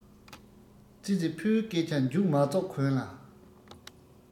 ཙི ཙི ཕོའི སྐད ཆ མཇུག མ རྫོགས གོང ལ